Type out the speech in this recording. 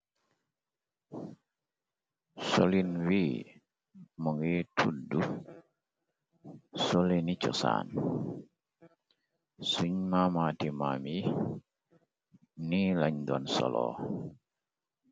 Solin wii mu ngi tuddu solini chosaan. Suñ mamaati mami ni lañ doon soloo.